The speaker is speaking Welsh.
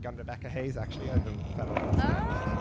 gan Rebecca Hayes actually oedd yn Feral Monster... Ooo!